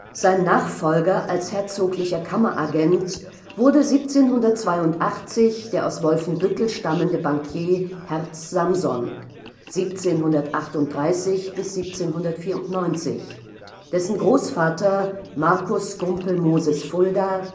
Sein Nachfolger als herzoglicher Kammeragent wurde 1782 der aus Wolfenbüttel stammende Bankier Herz Samson (1738 – 1794), dessen Großvater Marcus Gumpel Moses Fulda